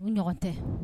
U ɲɔgɔn tɛ